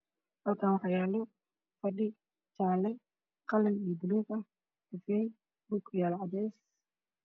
Halkaan waxaa yaalo fadhi jaale, qalin iyo buluug ah, dhulka uu yaalo waa cadeys.